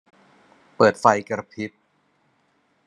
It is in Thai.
เปิดไฟกระพริบ